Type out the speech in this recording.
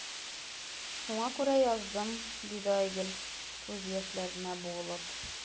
Шуңа күрә яздым,– диде Айгөл, күз яшьләренә буылып.